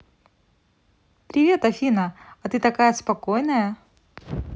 привет афина а ты такая спокойная